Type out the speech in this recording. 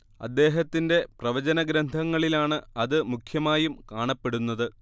അദ്ദേഹത്തിന്റെ പ്രവചനഗ്രന്ഥങ്ങളിലാണ് അത് മുഖ്യമായും കാണപ്പെടുന്നത്